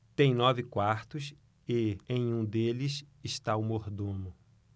tem nove quartos e em um deles está o mordomo